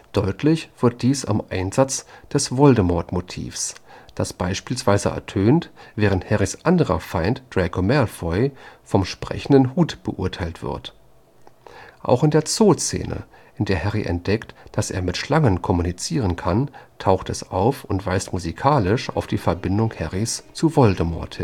Deutlich wird dies am Einsatz des Voldemort-Motivs, das beispielsweise ertönt, während Harrys anderer Feind, Draco Malfoy, vom Sprechenden Hut beurteilt wird. Auch in der Zoo-Szene, in der Harry entdeckt, dass er mit Schlangen kommunizieren kann, taucht es auf und weist musikalisch auf die Verbindung Harrys zu Voldemort